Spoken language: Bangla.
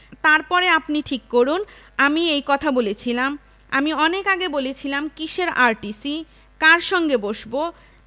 তারপরে আপনি ঠিক করুন আমি এই কথা বলেছিলাম আমি অনেক আগে বলেছিলাম কীসের আর.টি.সি. কার সঙ্গে বসবো